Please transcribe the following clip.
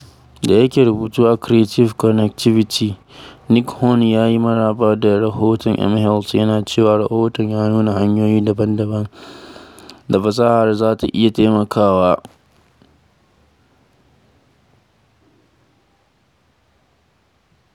Da yake rubutu a Creative Connectivity, Nick Hunn yyi maraba da rahoton mHealth, yana cewa rahoton ya nuna hanyoyi daban-daban da fasahar waya za ta iya taimakawa.